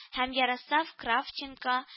Һәм ярослав кравченко